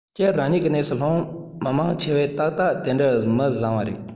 སྤྱིར རང ཉིད གི གནས སུ ལྷུང མི མང ཆེ བས ཏག ཏག དེ འདྲའི མི བཟང བ རེད